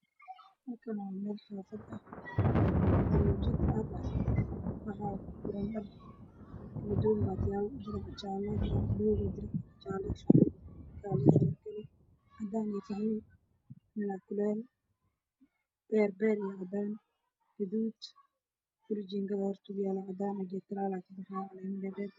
Meeshaan waa xaafad banaanka waxaa ku warwaran dhar oo xarig saaranMeeshaan waa xaafad banaanka waxaa ku warwaran dhar oo xarig saaran waana go-yaal iyo dirciyaal